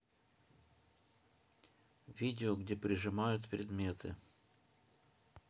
видео где прижимают предметы